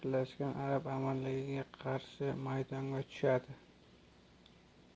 yo'llanmasi uchun baaga qarshi maydonga tushadi